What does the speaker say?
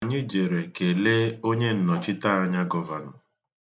Anyị jere kelee onyennọchiteanya Govanọ.